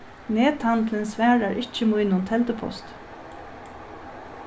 nethandilin svarar ikki mínum telduposti